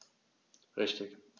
Richtig